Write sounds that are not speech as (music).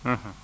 (hesitation) (hesitation)